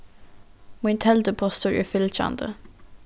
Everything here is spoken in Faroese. mín teldupostur er fylgjandi